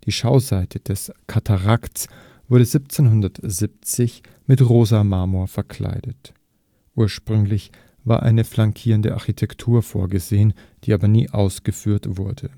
Schauseite des Katarakts wurde 1770 mit rosa Marmor verkleidet. Ursprünglich war eine flankierende Architektur vorgesehen, die aber nie ausgeführt wurde